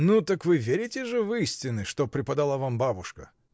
— Ну так вы верите же в истины, что преподала вам бабушка.